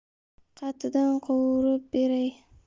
qatidan qovurib beray